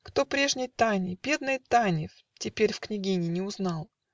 Кто прежней Тани, бедной Тани Теперь в княгине б не узнал!